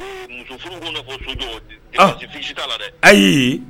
Ayi